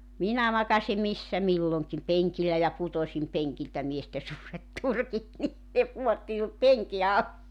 minä makasin missä milloinkin penkillä ja putosin penkiltä miesten suuret turkit niin ne pudotti minut penkin -